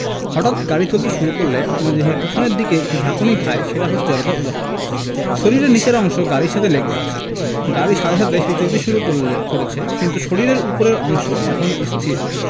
হঠাৎ গাড়ি চলতে শুরু করলে আমরা যেভাবে পেছনের দিকে একটা ঝাঁকুনি খাই সেটা হচ্ছে জড়তার উদাহরণ শরীরের নিচের অংশ গাড়ির সাথে লেগে আছে গাড়ির সাথে সাথে সেটা চলতে শুরু করেছে কিন্তু শরীরের ওপরের অংশ এখনো স্থির